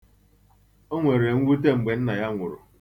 O nwere mwute mgbe nna ya nwụrụ.